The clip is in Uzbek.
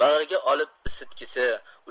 bag'riga olib isitgisi